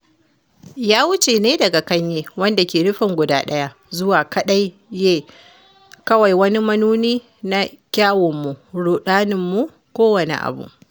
Ya wuce ne daga Kanye, wanda ke nufin guda ɗaya, zuwa kaɗai Ye - kawai wani manuni na kyawunmu, ruɗaninmu, kowane abu.